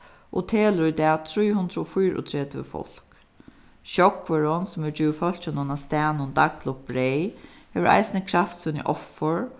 og telur í dag trý hundrað og fýraogtretivu fólk sjógvurin sum hevur givið fólkinum á staðnum dagligt breyð hevur eisini kravt síni offur